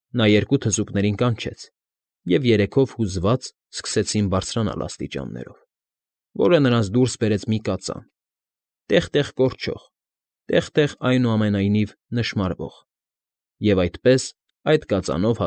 Նա երկու թզուկներին կանչեց, և երեքով հուզված սկսեցին բարձրանալ աստիճաններով, որը նրանց դուրս բերեց մի կածան՝ տեղ֊տեղ կորճող, տեղ֊տեղ, այնուամենայնիվ, նշմարվող, և այդպես, այդ կածանով։